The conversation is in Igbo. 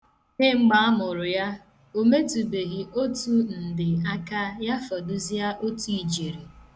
Kemgbe a mụrụ ya, o metubeghị otu nde aka ya fọdụzịa otu ijeri.